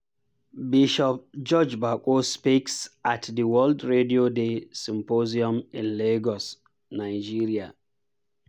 Bishop George Bako speaks at the World Radio Day symposium in Lagos, Nigeria.